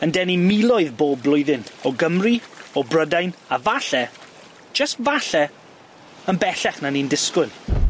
yn denu miloedd bob blwyddyn, o Gymru, o Brydain, a falle, jyst falle, yn bellach na ni'n disgwyl.